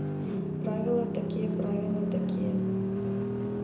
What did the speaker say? правила такие правила такие